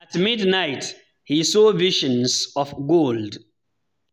At midnight, he saw visions of gold.